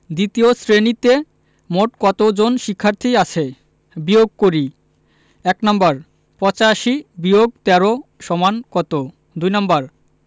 দ্বিতীয় শ্রেণিতে মোট কত জন শিক্ষার্থী আছে বিয়োগ করিঃ ১ নাম্বার ৮৫-১৩ = কত ২ নাম্বার